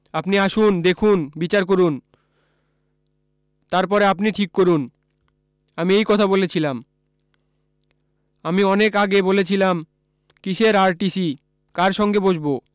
আপনি আসুন দেখুন বিচার করুন তারপরে আপনি ঠিক করুন আমি এই কথা বলেছিলাম আমি অনেক আগে বলেছিলাম কীসের আর.টি.সি. কার সঙ্গে বসবো